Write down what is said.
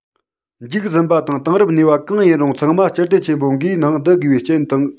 འཇིག ཟིན པ དང དེང རབས གནས པ གང ཡིན རུང ཚང མ སྤྱི སྡེ ཆེན པོ འགའི ནང བསྡུ དགོས པའི རྐྱེན དང